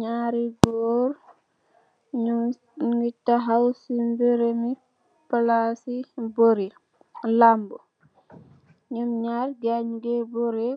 Nyarri goor nyungi takhaw ci bureau bi palasi mborr yi. Nyarr güy nyunge borre,